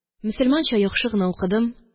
Мөселманча яхшы гына укыдым